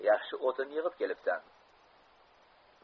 yaxshi o'tin yig'ib kelibsan